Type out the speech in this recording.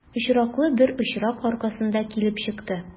Очраклы бер очрак аркасында килеп чыкты.